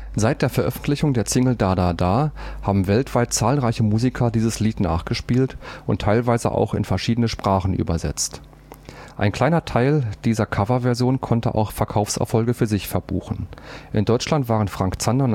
Seit der Veröffentlichung der Single „ Da da da “haben weltweit zahlreiche Musiker dieses Lied nachgespielt und teilweise auch in verschiedene Sprachen übersetzt. Ein kleiner Teil dieser Cover-Versionen konnte auch Verkaufserfolge für sich verbuchen. In Deutschland waren Frank Zander (1982